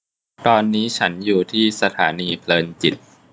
ตอนนี้ฉันอยู่ที่สถานีเพลินจิต